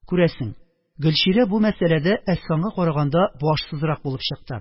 Күрәсең, Гөлчирә бу мәсьәләдә Әсфанга караганда башсызрак булып чыкты.